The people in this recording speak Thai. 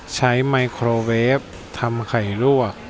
ใช้ไมโครเวฟทำไข่ลวก